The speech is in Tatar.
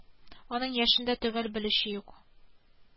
Аның яшендә төгал белүче юк